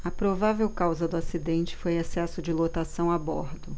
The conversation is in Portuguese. a provável causa do acidente foi excesso de lotação a bordo